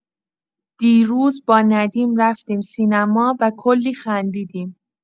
دیروز با ندیم رفتیم سینما و کلی خندیدیم.